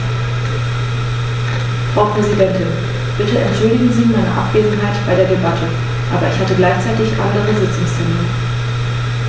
Frau Präsidentin, bitte entschuldigen Sie meine Abwesenheit bei der Debatte, aber ich hatte gleichzeitig andere Sitzungstermine.